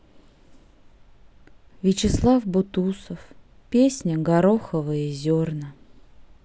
вячеслав бутусов песня гороховые зерна